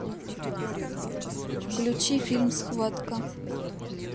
включи фильм схватка